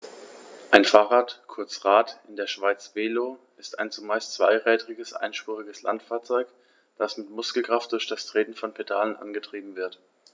Ein Fahrrad, kurz Rad, in der Schweiz Velo, ist ein zumeist zweirädriges einspuriges Landfahrzeug, das mit Muskelkraft durch das Treten von Pedalen angetrieben wird.